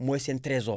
mooy seen trésor